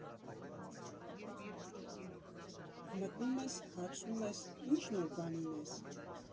Մտնում ես, հարցնում ես՝ ի՞նչ նոր բան ունես։